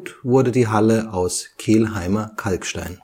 wurde die Halle aus Kelheimer Kalkstein